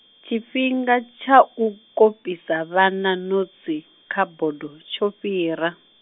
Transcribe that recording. tshifhinga tsha u kopisa vhana notsi, kha bodo, tsho fhira.